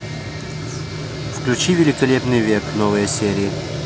включи великолепный век новые серии